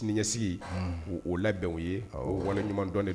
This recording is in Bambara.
Sinisigi' labɛnw ye waleɲuman dɔ de